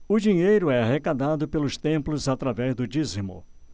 o dinheiro é arrecadado pelos templos através do dízimo